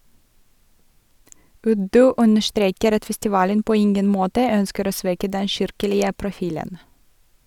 Uddu understreker at festivalen på ingen måte ønsker å svekke den kirkelige profilen.